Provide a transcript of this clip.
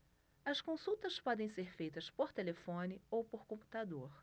as consultas podem ser feitas por telefone ou por computador